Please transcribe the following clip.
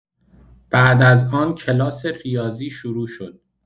بعد از آن کلاس ریاضی شروع شد.